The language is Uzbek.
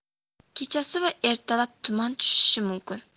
kechasi va ertalab tuman tushishi mumkin